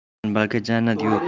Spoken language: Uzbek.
tanbalga jannat yo'q